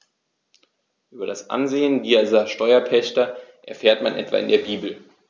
Über das Ansehen dieser Steuerpächter erfährt man etwa in der Bibel.